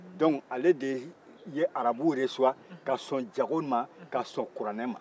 dɔnku ale de ye arabuw eresuwa ka son jago ka son kuranɛ ma